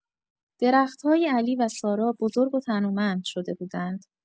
درخت‌های علی و سارا بزرگ و تنومند شده بودند.